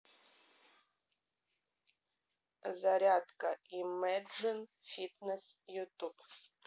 зарядка имэджин фитнес ютуб